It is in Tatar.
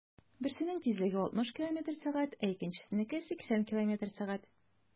Берсенең тизлеге 60 км/сәг, ә икенчесенеке - 80 км/сәг.